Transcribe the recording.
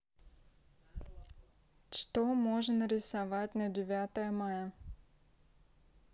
что можно рисовать на девятое мая